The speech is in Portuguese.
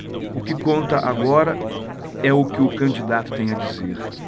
o que conta agora é o que o candidato tem a dizer